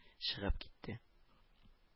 Чыгып китте